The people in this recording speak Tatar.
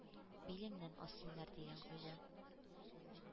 Билемнән ассыннар,— дигән Хуҗа.